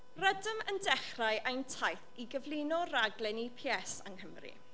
Rydym yn dechrau ein taith i gyflwyno rhaglen EPS yng Nghymru.